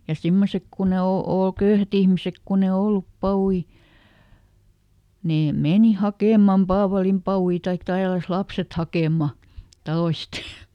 ja semmoiset kun ei - ole köyhät ihmiset kun ei ollut papuja ne meni hakemaan paavalinpapuja tai tälläsi lapset hakemaan taloista